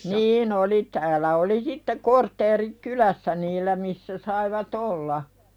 niin oli täällä oli sitten kortteeri kylässä niillä missä saivat olla